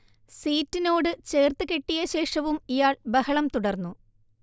സീറ്റിനോട് ചേർത്ത് കെട്ടിയ ശേഷവും ഇയാൾ ബഹളം തുടർന്നു